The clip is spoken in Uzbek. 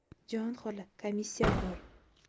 jon xola komissiya bor